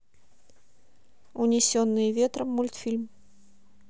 унесенные ветром мультфильм